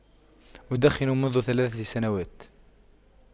أدخن منذ ثلاث سنوات